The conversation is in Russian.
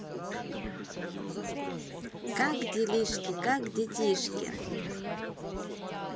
как делишки как детишки